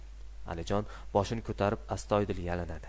alijon boshini ko'tarib astoydil yalinadi